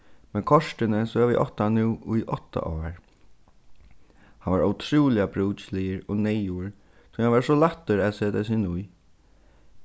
men kortini so havi eg átt hann nú í átta ár hann var ótrúliga brúkiligur og neyðugur tí hann var so lættur at seta seg inní